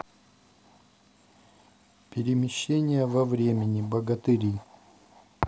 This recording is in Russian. перемещение во времени богатыри